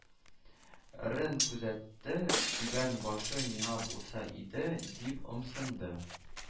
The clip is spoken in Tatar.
Рен күзәтте, кибән башы миңа булса иде, дип ымсынды